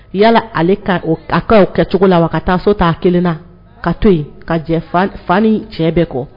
Yala ale ka ka ka kɛ cogo la wa ka taa so t' a kelen na ka to yen ka fa cɛ bɛɛ kɔ